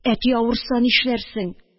Әти авырса нишләрсең